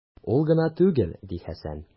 Ул гына түгел, - ди Хәсән.